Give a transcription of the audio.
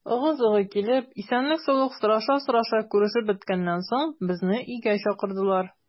Ыгы-зыгы килеп, исәнлек-саулык сораша-сораша күрешеп беткәннән соң, безне өйгә чакырдылар.